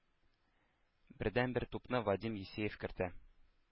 Бердәнбер тупны Вадим Евсеев кертә,